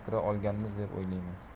kira olganmiz deb o'ylayman